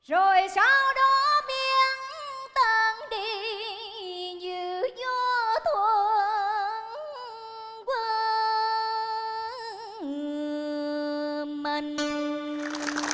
rồi sau đó biến tan đi như gió thoảng qua mình